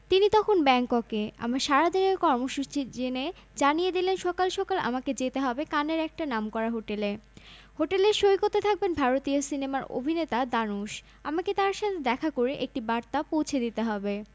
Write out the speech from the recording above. তিনি তখন ব্যাংককে আমার সারাদিনের কর্মসূচি জেনে জানিয়ে দিলেন সকাল সকাল আমাকে যেতে হবে কানের একটা নামকরা হোটেলে হোটেলের সৈকতে থাকবেন ভারতীয় সিনেমার অভিনেতা ধানুশ আমাকে তার সাথে দেখা করে একটি বার্তা পৌঁছে দিতে হবে